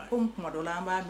Comme tumadɔla an b'a